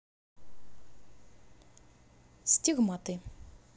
стигматы